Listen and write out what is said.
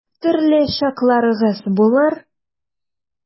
Төрле чакларыгыз булыр.